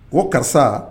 O ka sa